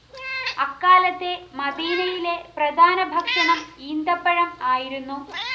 അക്കാലത്തെ മദീനയിലെ പ്രധാന ഭക്ഷണം ഈന്തപ്പഴം ആയിരുന്നു